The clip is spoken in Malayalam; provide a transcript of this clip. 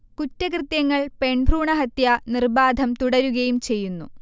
കുറ്റകൃത്യങ്ങൾ, പെൺഭ്രൂണഹത്യ നിർബാധം തുടരുകയും ചെയ്യുന്നു